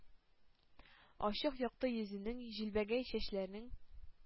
Ачык, якты йөзенең, җилбәгәй чәчләренең,